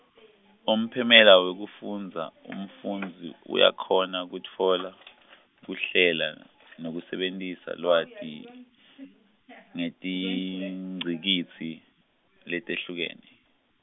umphumela wekufundza, umfundzi uyakhona kutfola, kuhlela nekusebentisa lwati, ngetingcikitsi, letehlukene.